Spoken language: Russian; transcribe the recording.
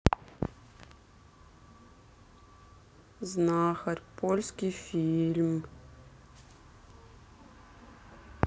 знахарь польский фильм